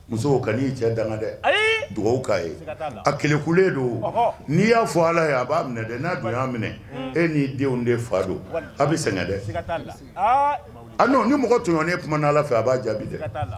Muso wo kan'i cɛ danga dɛ, dugawu k'a ye, siga t'a la, a kelekulen don, n'i y'a fɔ Ala ye a b'a minɛ dɛ n'a dun y'a minɛ e n'i denw de fa don, a' bɛ sɛgɛn dɛ, siga t'a la, a non ni mɔgɔ tɔɲɔnen kumana Ala fɛ a b'a jaabi dɛ